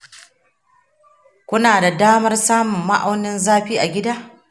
kuna da damar samun ma'aunin zafi a gida?